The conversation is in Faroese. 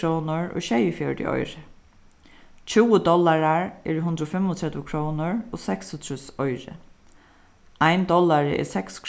krónur og sjeyogfjøruti oyru tjúgu dollarar eru hundrað og fimmogtretivu krónur og seksogtrýss oyru ein dollari er seks